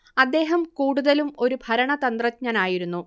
അദ്ദേഹം കൂടുതലും ഒരു ഭരണതന്ത്രജ്ഞനായിരുന്നു